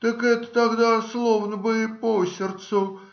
Так это тогда, словно бы по сердцу.